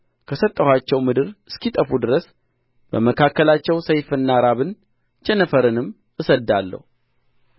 ከሰጠኋቸው ምድር እስኪጠፉ ድረስ በመካከላቸው ሰይፍንና ራብን ቸነፈርንም እሰድዳለሁ